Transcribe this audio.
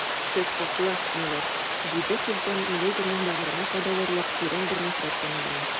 Сез хаклы, милорд, - диде Фельтон милединың бәгыренә кадалырлык тирән бер нәфрәт тоны белән.